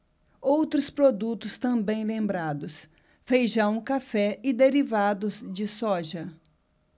outros produtos também lembrados feijão café e derivados de soja